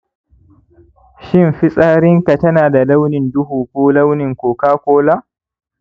shin fitsarinka tana da launin duhu ko launin coca-cola